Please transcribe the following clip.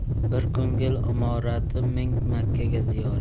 bir ko'ngil imorati ming makka ziyorati